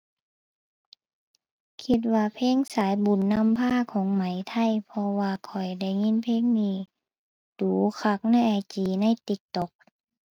คิดว่าเพลงสายบุญนำพาของไหมไทย เพราะว่าข้อยได้ยินเพลงนี้ดู๋คักใน IG ใน TikTok